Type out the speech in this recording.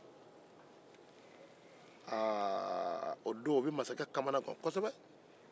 o bɛ masakɛ kamanagan kosɛbɛ